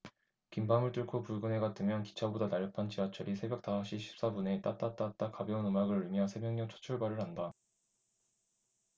긴 밤을 뚫고 붉은 해가 뜨면 기차보다 날렵한 지하철이 새벽 다섯시 십사분에 따따따따 가벼운 음악을 울리며 새벽녘 첫출발을 한다